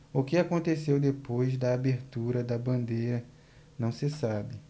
o que aconteceu depois da abertura da bandeira não se sabe